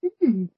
Hmm.